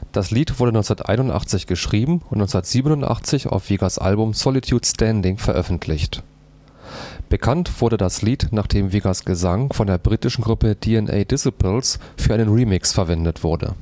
Das Lied wurde 1981 geschrieben und 1987 auf Vegas Album Solitude Standing veröffentlicht. Bekannt wurde das Lied, nachdem Vegas Gesang von der britischen Gruppe DNA Disciples für einen Remix verwendet wurde